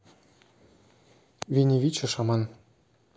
вини вичи шаман